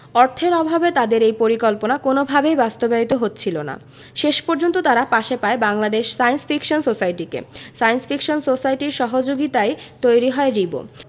অর্থের অভাবে তাদের সেই পরিকল্পনা কোনওভাবেই বাস্তবায়িত হচ্ছিল না শেষ পর্যন্ত তারা পাশে পায় বাংলাদেশ সায়েন্স ফিকশন সোসাইটিকে সায়েন্স ফিকশন সোসাইটির সহযোগিতায়ই তৈরি হয় রিবো